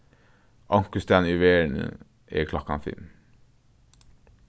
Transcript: onkustaðni í verðini er klokkan fimm